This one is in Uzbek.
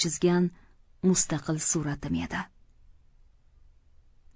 chizgan mustaqil suratim edi